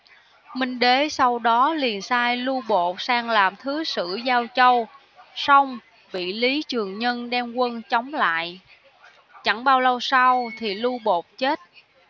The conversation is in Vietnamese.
minh đế sau đó liền sai lưu bột sang làm thứ sử giao châu song bị lý trường nhân đem quân chống lại chẳng bao lâu sau thì lưu bột chết